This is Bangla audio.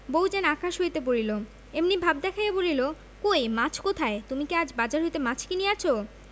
বউ যেন আকাশ হইতে পড়িল এমনি ভাব দেখাইয়া বলিল কই মাছ কোথায় তুমি কি আজ বাজার হইতে মাছ কিনিয়াছ